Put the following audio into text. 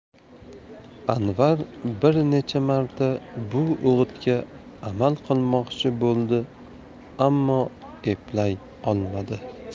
anvar bir necha marta bu o'gitga amal qilmoqchi bo'ldi ammo eplay olmadi